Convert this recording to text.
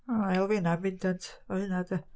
o elfennau bendant o hynna de.